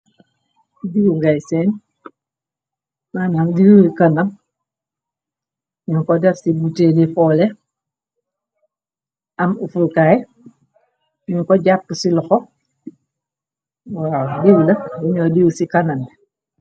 Diiw ngai sen, manam diiw ci kanam. ñung ko deff ci buteli foole. Am ufokaay, ñung ko jàppu ci loxo. Waaw diiw la biñoo diiw ci kanam.